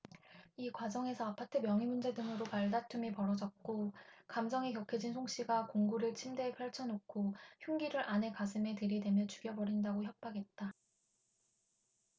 이 과정에서 아파트 명의 문제 등으로 말다툼이 벌어졌고 감정이 격해진 송씨가 공구를 침대에 펼쳐놓고 흉기를 아내 가슴에 들이대며 죽여버린다고 협박했다